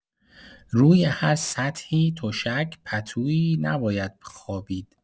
روی هر سطحی، تشک، پتویی نباید خوابید.